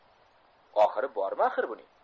oxiri bormi axir buning